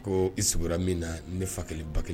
Ko i sugura min na ne fakelen ba kelen